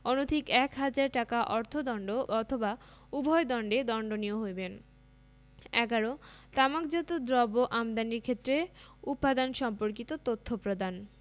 অনধিক এক হাজার টাকা অর্থ দন্ড অথবা উভয় দণ্ডে দন্ডনীয় হইবেন ১১ তামাকজাত দ্রব্য আমদানির ক্ষেত্রে উপাদান সম্পর্কিত তথ্য প্রদান